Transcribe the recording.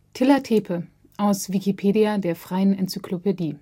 Tilla Tepe, aus Wikipedia, der freien Enzyklopädie